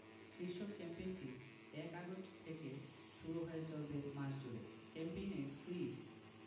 শীর্ষক ক্যাম্পেইনটি ১ আগস্ট থেকে শুরু হয়ে চলবে মাস জুড়ে ক্যাম্পেইনে ফ্রিজ